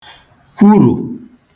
kwurụ̀